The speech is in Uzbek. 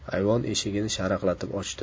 ayvon eshigini sharaqlatib ochdi